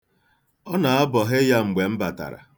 Ọ na-abọhe ya mgbe m batara.